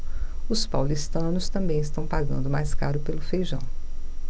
os paulistanos também estão pagando mais caro pelo feijão